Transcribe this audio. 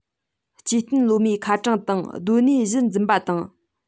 སྐྱེ རྟེན ལོ མའི ཁ གྲངས དང སྡོད གནས གཞིར འཛིན པ དང